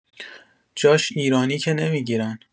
جاش ایرانی که نمی‌گیرن.